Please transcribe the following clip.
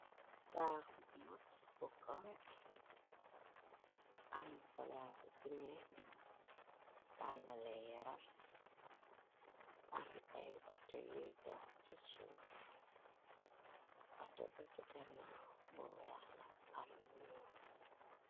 Taax bu mag bu kowe am palase biñuy tàngale yaram am ay auto yiy daw ci suuf auto ba ci garnaaw bu weex la am lu ñuo.